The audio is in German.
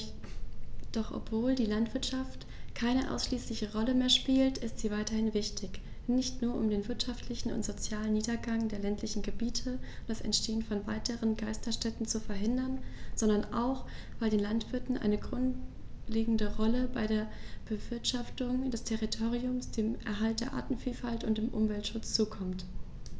Doch obwohl die Landwirtschaft keine ausschließliche Rolle mehr spielt, ist sie weiterhin wichtig, nicht nur, um den wirtschaftlichen und sozialen Niedergang der ländlichen Gebiete und das Entstehen von weiteren Geisterstädten zu verhindern, sondern auch, weil den Landwirten eine grundlegende Rolle bei der Bewirtschaftung des Territoriums, dem Erhalt der Artenvielfalt und dem Umweltschutz zukommt.